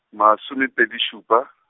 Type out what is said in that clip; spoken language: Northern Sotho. masomepedi šupa.